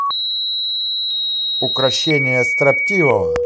укрощение строптивого